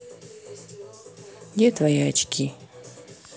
где твои очки